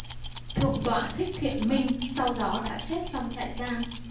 thượng tọa thích thiện minh sau đó đã chết trong trại giam